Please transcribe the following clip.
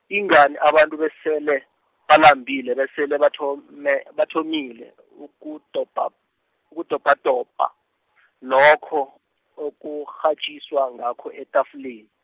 ingani abantu besele, balambile besele bathom- -me bathomile, ukudobha, ukudobhadobha , lokho okukghatjiswa ngakho etafuleni.